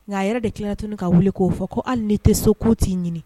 Ŋa a yɛrɛ de tilara tuguni ka wuli k'o fɔ ko hali n'i te so k'u t'i ɲini